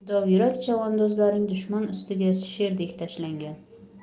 dovyurak chavandozlaring dushman ustiga sherdek tashlangan